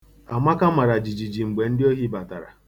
Amaka mara jijiji mgbe ndị ohi batara.